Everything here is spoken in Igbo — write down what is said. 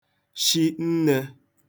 shi nnē